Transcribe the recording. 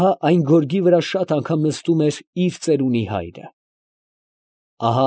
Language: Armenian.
Ահա այն գորգի վրա շատ անգամ նստում էր իր ծերունի հայրը…։